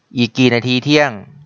อีกกี่นาทีเที่ยง